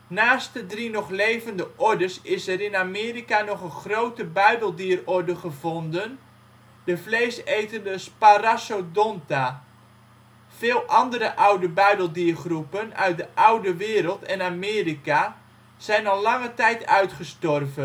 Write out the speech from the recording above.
Naast de drie nog levende ordes is er in Amerika nog een grote buideldierorde gevonden, de vleesetende Sparassodonta. Veel andere oude buideldiergroepen uit de Oude Wereld en Amerika zijn al lange tijd uitgestorven. De